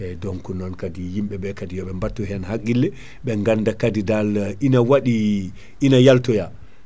eyyi donc non kaadi yimɓeɓe yoɓe battu hen haqqille ɓe ganda kaadi dal ina waaɗii ina haltoya